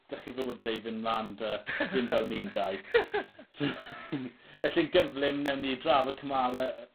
'dach chi fywyde i fynd mlan 'da, dim fel ni'n dau. Felly yn gyflym newn ni drafod cymale